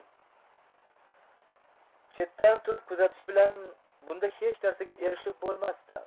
chetdan turib kuzatish bilan bunda hech narsaga erishib bo'lmasdi